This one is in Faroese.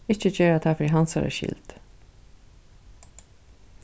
ikki gera tað fyri hansara skyld